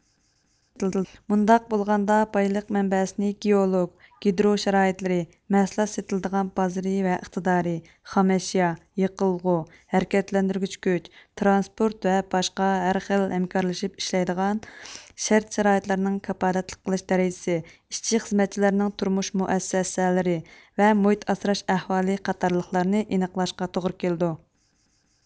مۇنداق بولغاندا بايلىق مەنبەسىنى گېئولوگ گىدرو شارائىتلىرى مەھسۇلات سېتىلىدىغان بازىرى ۋە ئىقتىدارى خام ئەشيا يېقىلغۇ ھەرىكەتلەندۈرگۈچ كۈچ ترانسپورت ۋە باشقا ھەر خىل ھەمكارلىشىپ ئىشلەيدىغان شەرت شارائىتلارنىڭ كاپالەتلىك قىلىش دەرىجىسى ئىشچى خىزمەتچىلەرنىڭ تۇرمۇش مۇئەسسەسەلىرى ۋە مۇھىت ئاسراش ئەھۋالى قاتارلىقلارنى ئېنىقلاشقا توغرا كېلىدۇ